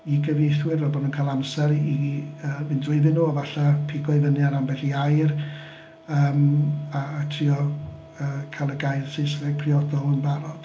I gyfieithwyr fel bod nhw'n cael amser i yy fynd drwyddyn nhw, a falle pigo i fynu ar ambell i air yym a trio yy cael y gair Saesneg briodol yn barod.